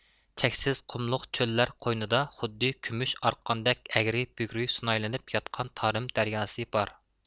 چەكسىز قۇملۇق چۆللەر قوينىدا خۇددى كۈمۈش ئارقاندەك ئەگرى بۈگرى سۇنايلىنىپ ياتقان تارىم دەرياسى بار